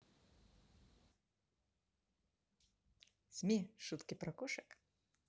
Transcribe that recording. сме шутки про кошек